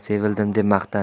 sevildim deb maqtan